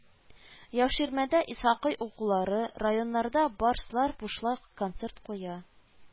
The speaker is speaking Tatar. Яуширмәдә Исхакый укулары, районнарда Барслар бушлай концерт куя